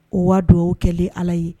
O waga don o kɛ ala ye